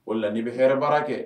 O la nin i bɛ hɛrɛ baara kɛ